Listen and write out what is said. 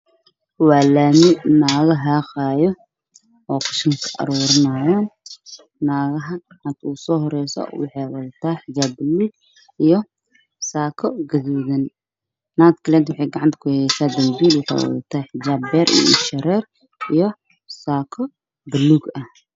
Waa laami oo naago ay xaaqaayaan oo qashinka ka aruurinayo, naagta ugu soo horeyso waxay wadataa xijaab buluug iyo saako gaduud ah, naagta kale waxay gacanta kuheysaa dambiil waxay wadataa xijaab beer iyo indho shareer iyo saako buluug.